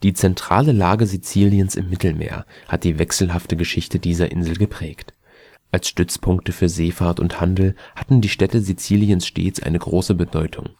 zentrale Lage Siziliens im Mittelmeer hat die wechselhafte Geschichte dieser Insel geprägt. Als Stützpunkte für Seefahrt und Handel hatten die Städte Siziliens stets eine große Bedeutung